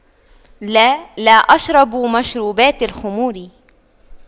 لا لا أشرب مشروبات الخمور